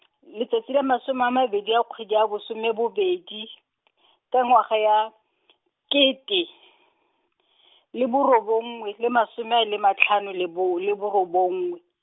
letsatsi la masome a mabedi ya kgwedi ya bosome bobedi , ka ngwaga ya, kete , le bo robongwe le masome a le matlhano le bo le bo robongwe.